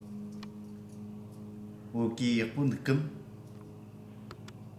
བོད གོས ཡག པོ འདུག གམ